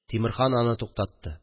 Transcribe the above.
Тимерхан аны туктатты